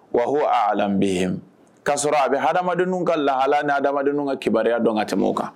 Wa ko ala bɛ k kaa sɔrɔ a bɛ hadamaden ka lahala nia adamadamaden ka kibaruya dɔn ka tɛmɛw kan